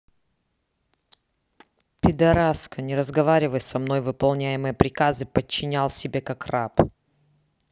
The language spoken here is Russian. пидараска не разговаривай со мной выполняемые приказы подчинял себе как раб